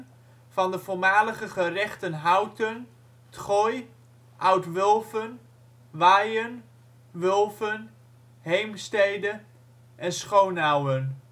van de voormalige gerechten Houten, ' t Goy, Oud-Wulven, Waijen, Wulven, Heemstede en Schonauwen